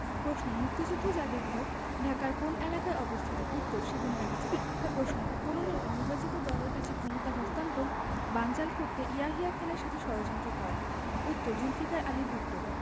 প্রশ্ন মুক্তিযুদ্ধ যাদুঘর ঢাকার কোন এলাকায় অবস্থিত উত্তরঃ সেগুনবাগিচা প্রশ্ন কোন নেতা নির্বাচিত দলের কাছে ক্ষমতা হস্তান্তর বানচাল করতে ইয়াহিয়া খানের সাথে ষড়যন্ত্র করেন উত্তরঃ জুলফিকার আলী ভুট্ট